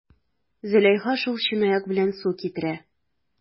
Зөләйха шул чынаяк белән су китерә.